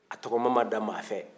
a tɔgɔman ma da maa fɛ